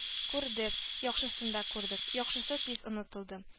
Күрдек, яхшысын да күрдек... Яхшысы тиз онытылды